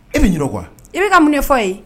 I bɛ ɲinɛ la kɔ wa? Ko bɛ ka mun de fɔ yen?